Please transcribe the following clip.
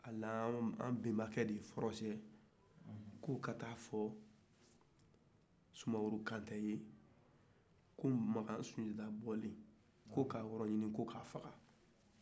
a ye an bɛnbakɛ de force k'o ka taa a fɔ sumaworo kante ye ko makan sunjata bɔr ko k'a yɔrɔ ɲini ko k'a faga